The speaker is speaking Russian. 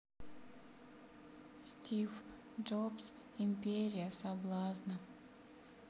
стив джобс империя соблазна